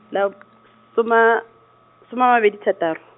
na- , soma, soma a mabedi thataro.